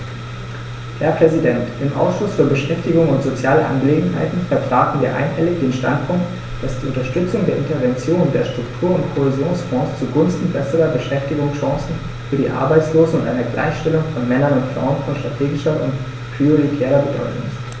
Herr Präsident, im Ausschuss für Beschäftigung und soziale Angelegenheiten vertraten wir einhellig den Standpunkt, dass die Unterstützung der Interventionen der Struktur- und Kohäsionsfonds zugunsten besserer Beschäftigungschancen für die Arbeitslosen und einer Gleichstellung von Männern und Frauen von strategischer und prioritärer Bedeutung ist.